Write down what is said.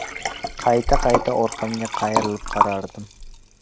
qayta qayta orqamga qayrilib qarardim